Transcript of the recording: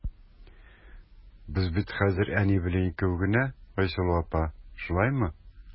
Без бит хәзер әни белән икәү генә, Айсылу апа, шулаймы?